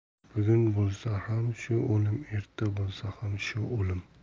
bugun bo'lsa ham shu o'lim erta bo'lsa ham shu o'lim